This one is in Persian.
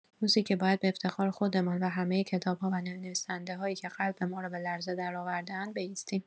روزی که باید به افتخار خودمان و همه کتاب‌ها و نویسنده‌‌هایی که قلب ما را به لرزه درآورده‌اند بایستیم.